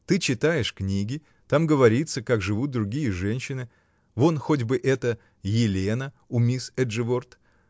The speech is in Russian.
Ты читаешь книги, там говорится, как живут другие женщины: вон хоть бы эта Елена, у мисс Эджеворт.